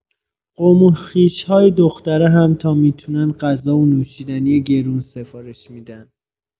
قوم و خویش‌های دختره هم تا می‌تونن غذا و نوشیدنی گرون سفارش می‌دن